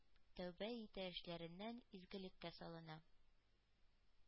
Тәүбә итә эшләреннән, изгелеккә салына: